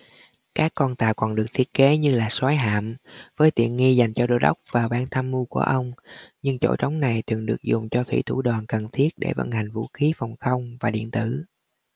các con tàu còn được thiết kế như là soái hạm với tiện nghi dành cho đô đốc và ban tham mưu của ông nhưng chỗ trống này thường được dùng cho thủy thủ đoàn cần thiết để vận hành vũ khí phòng không và điện tử